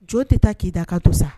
Jɔn tɛ taa k'i dakan to sa